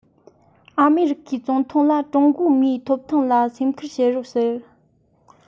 ཨ མེ རི ཀའི ཙུང ཐུང ལ ཀྲུང གོའི མིའི ཐོབ ཐང ལ སེམས ཁུར བྱེད རོགས ཟེར